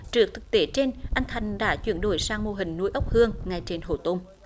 trước thực tế trên anh thành đã chuyển đổi sang mô hình nuôi ốc hương ngay trên hồ tôm